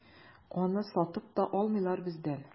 Аны сатып та алмыйлар бездән.